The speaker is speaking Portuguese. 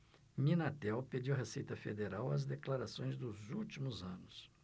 minatel pediu à receita federal as declarações dos últimos anos